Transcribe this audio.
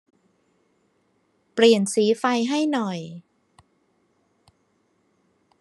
เปลี่ยนสีไฟให้หน่อย